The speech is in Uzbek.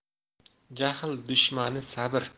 jahl dushmani sabr